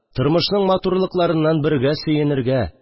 Тормышның матурлыкларынан бергә сөенергә